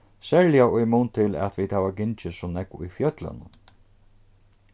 serliga í mun til at vit hava gingið so nógv í fjøllunum